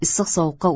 issiq sovuqqa